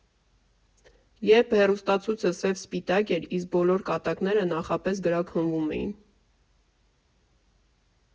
Երբ հեռուստացույցը սև֊սպիտակ էր, իսկ բոլոր կատակները նախապես գրաքննվում էին։